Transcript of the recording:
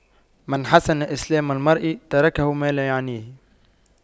من حسن إسلام المرء تَرْكُهُ ما لا يعنيه